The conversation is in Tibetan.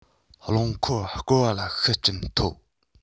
རློང འཁོར བསྐོར བ ལ ཤུགས རྐྱེན ཐོབ